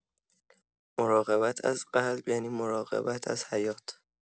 مراقبت از قلب یعنی مراقبت از حیات؛